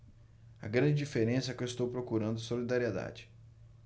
a grande diferença é que eu estou procurando solidariedade